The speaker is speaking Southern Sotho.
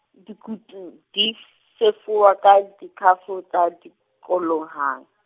dikutu, di fefuwa ka dikhafo tse dikolohang .